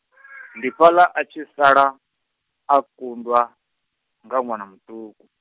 ndi fhaḽa a tshi sala, a kundwa, nga ṅwana muṱuku.